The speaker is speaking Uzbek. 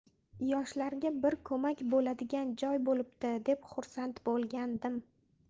yoshlarga bir ko'mak bo'ladigan joy bo'libdi deb xursand bo'lgandim